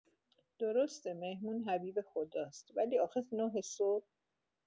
درسته مهمون حبیب خداست ولی آخه ۹ صبح؟